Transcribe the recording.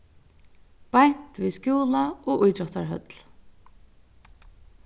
beint við skúla og ítróttarhøll